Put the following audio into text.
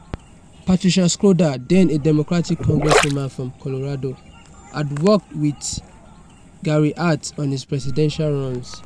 Patricia Schroeder, then a Democratic congresswoman from Colorado, had worked with Gary Hart on his presidential runs.